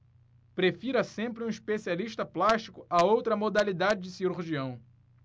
prefira sempre um especialista plástico a outra modalidade de cirurgião